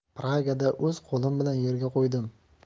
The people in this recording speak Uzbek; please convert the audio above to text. pragada o'z qo'lim bilan yerga qo'ydim